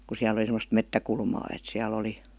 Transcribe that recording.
kun siellä oli semmoista metsäkulmaa että siellä oli